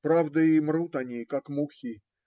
Правда, и мрут они, как мухи